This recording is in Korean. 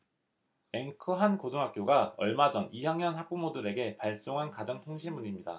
앵커 한 고등학교가 얼마 전 이 학년 학부모들에게 발송한 가정통신문입니다